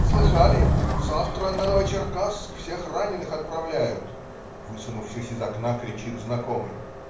"Слыхали, завтра на Новочеркасск всех раненых отправляют!" - высунувшись из окна, кричит знакомый.